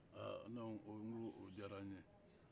ha ne ko ko o diyara an ye